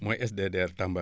mooy SDDR Tamba